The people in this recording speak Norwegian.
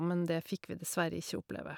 Men det fikk vi dessverre ikke oppleve.